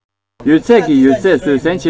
ཡོད ཚད ཀྱི ཡོད ཚད བཟོད བསྲན བྱེད ཐུབ